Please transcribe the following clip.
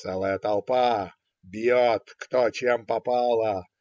Целая толпа бьет, кто чем попало.